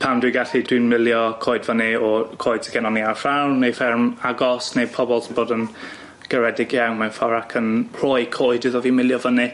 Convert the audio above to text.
Pan dwi'n gallu dwi'n milio coed fyny o coed sy gennon ni ar ffarm neu fferm agos neu pobl sy'n bod yn garedig iawn, mewn ffor ac yn rhoi coed iddo fi milio fyny.